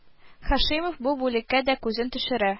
Һашимов бу бүлеккә дә күзен төшерә